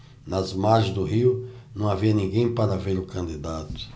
nas margens do rio não havia ninguém para ver o candidato